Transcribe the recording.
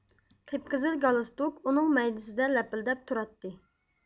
قىپقىزىل گالستۇك ئۇنىڭ مەيدىسىدە لەپىلدەپ تۇراتتى